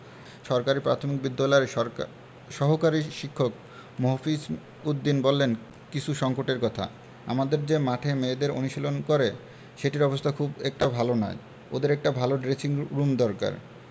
সরকারি প্রাথমিক বিদ্যালয়ের সহকারী শিক্ষক মফিজ উদ্দিন বললেন কিছু সংকটের কথা আমাদের যে মাঠে মেয়েদের অনুশীলন করে সেটির অবস্থা খুব একটা ভালো নয় ওদের একটা ভালো ড্রেসিংরুম দরকার